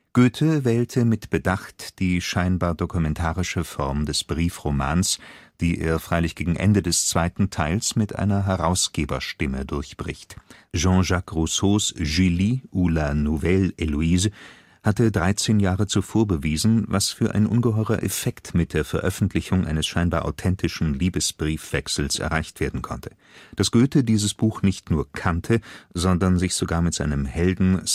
Goethe wählte mit Bedacht die scheinbar dokumentarische Form des Briefromans, die er freilich gegen Ende des zweiten Teils mit einer Herausgeberstimme durchbricht. Jean-Jacques Rousseaus Julie ou la Nouvelle Héloïse hatte dreizehn Jahre zuvor bewiesen, was für ein ungeheurer Effekt mit der Veröffentlichung eines scheinbar authentischen Liebesbriefwechsels erreicht werden konnte. Dass Goethe dieses Buch nicht nur kannte, sondern sich sogar mit seinem Helden